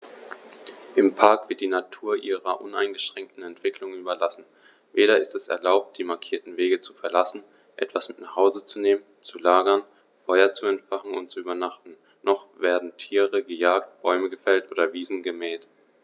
Im Park wird die Natur ihrer uneingeschränkten Entwicklung überlassen; weder ist es erlaubt, die markierten Wege zu verlassen, etwas mit nach Hause zu nehmen, zu lagern, Feuer zu entfachen und zu übernachten, noch werden Tiere gejagt, Bäume gefällt oder Wiesen gemäht.